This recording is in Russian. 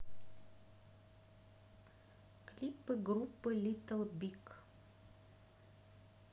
клипы группы little big